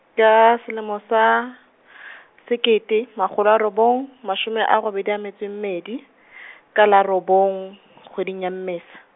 ka selemo sa , sekete makgolo a robong, mashome a robedi a metso e mmedi , ka la robong, kgweding ya Mmesa.